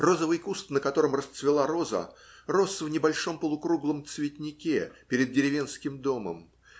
Розовый куст, на котором расцвела роза, рос в небольшом полукруглом цветнике перед деревенским домом.